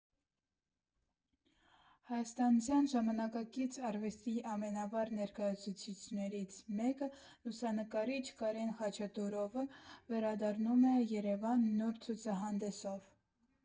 Հայաստանյան ժամանակակից արվեստի ամենավառ ներկայացուցիչներից մեկը՝ լուսանկարիչ Կարեն Խաչատուրովը, վերադառնում է Երևան նոր ցուցահանդեսվ։